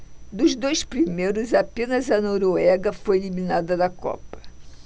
dos dez primeiros apenas a noruega foi eliminada da copa